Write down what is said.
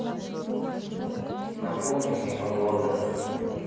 напомнить непогода